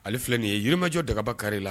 Ale filɛ nin ye yirimajɔ dagaba kari la